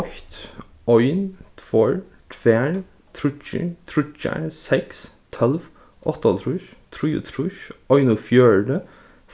eitt ein tveir tvær tríggir tríggjar seks tólv áttaoghálvtrýss trýogtrýss einogfjøruti